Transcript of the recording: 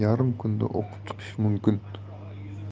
yarim kunda o'qib chiqish mumkin